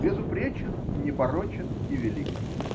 Безупречен, непорочен и велик!